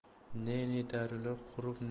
ne ne daryolar qurib